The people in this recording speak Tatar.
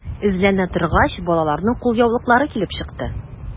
Эзләнә торгач, балаларның кулъяулыклары килеп чыкты.